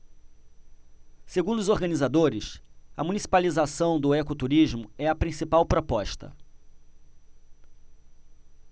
segundo os organizadores a municipalização do ecoturismo é a principal proposta